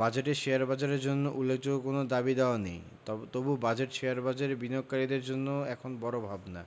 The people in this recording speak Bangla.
বাজেটে শেয়ারবাজারের জন্য উল্লেখযোগ্য কোনো দাবিদাওয়া নেই তবু বাজেট শেয়ারবাজারে বিনিয়োগকারীদের জন্য এখন বড় ভাবনা